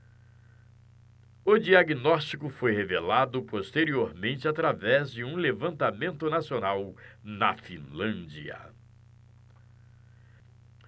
o diagnóstico foi revelado posteriormente através de um levantamento nacional na finlândia